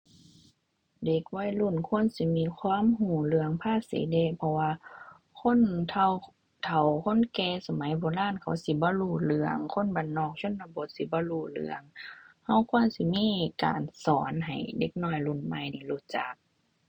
เด็กวัยรุ่นควรสิมีความรู้เรื่องภาษีเดะ เพราะว่าคนเฒ่า เฒ่า คนแก่สมัยโบราณเขาสิบ่รู้เรื่อง คนบ้านนอกชนบทสิบ่รู้เรื่อง รู้ควรสิมีการสอนให้เด็กน้อยรุ่นใหม่นี้รู้จัก